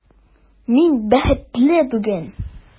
Мин бәхетле бүген!